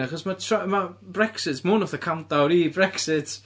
Achos mae tr- ma' Brexit ma' hwn fatha countdown i Brexit.